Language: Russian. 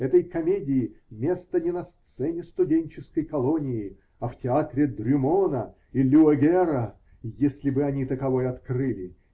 этой комедии место не на сцене студенческой колонии, а в театре Дрюмона и Люэгера, если бы они таковой открыли